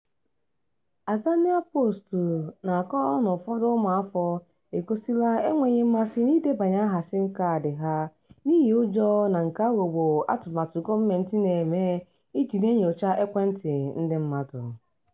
Azania Post na-akọ na ụfọdụ ụmụafọ egosila enweghị mmasị n'idebanye aha SIM kaadị ha n'ihi ụjọ na nke ahụ bụ "atụmatụ gọọmentị na-eme iji na-enyocha ekwentị ndị mmadụ."